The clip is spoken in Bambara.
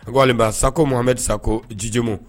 An k'ale ma Sako Mohamɛdi Jijemu